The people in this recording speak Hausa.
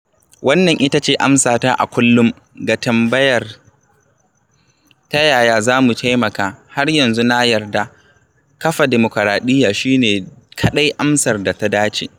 Wannan ita ce amsata a kullum ga tambayar "ta yaya za mu taimaka?" Har yanzu na yarda [kafa dimukraɗiyya] shi ne kaɗai amsar da ta dace.